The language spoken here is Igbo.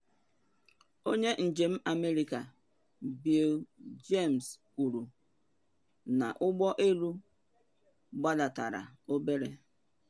Onye njem America Bill Jaynes kwuru na ụgbọ elu gbadatara obere.